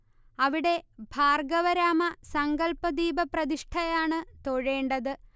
അവിടെ ഭാർഗ്ഗവരാമ സങ്കല്പ ദീപപ്രതിഷ്ഠയാണ് തൊഴേണ്ടത്